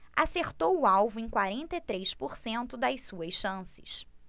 acertou o alvo em quarenta e três por cento das suas chances